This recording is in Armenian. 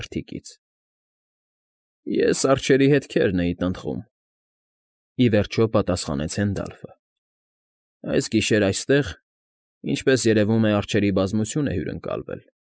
Երդիկից։ ֊ Ես արջերի հետքերն էին տնտղում,֊ ի վերջո պատասխանեց Հենդալֆը։֊ Այս գիշեր այստեղ, ինչպես երևում է, արջերի բազմություն է հյուրընկալվել։